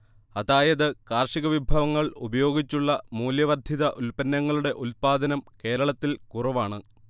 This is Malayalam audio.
അതായത് കാർഷികവിഭവങ്ങൾ ഉപയോഗിച്ചുള്ള മൂല്യവർദ്ധിത ഉൽപ്പന്നങ്ങളുടെ ഉല്പാദനം കേരളത്തിൽ കുറവാണ്